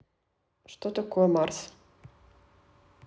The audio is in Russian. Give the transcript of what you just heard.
что такое mars